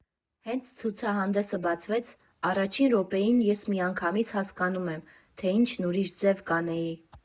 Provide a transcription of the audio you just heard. Հենց ցուցահանդեսը բացվեց, առաջին րոպեին ես միանգամից հասկանում եմ, թե ինչն ուրիշ ձև կանեի։